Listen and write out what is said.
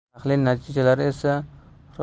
tahlil natijalari esa